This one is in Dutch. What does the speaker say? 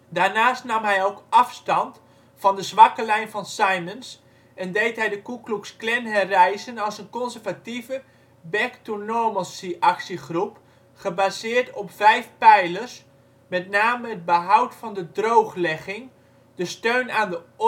Daarnaast nam hij ook afstand van de zwakke lijn van Simmons en deed hij de Ku Klux Klan herrijzen als een conservatieve back to normalcy actiegroep gebaseerd op vijf pijlers, met name het behoud van de Drooglegging, de steun aan de ordehandhaving